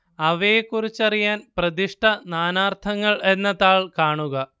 അവയെക്കുറിച്ചറിയാൻ പ്രതിഷ്ഠ നാനാർത്ഥങ്ങൾ എന്ന താൾ കാണുക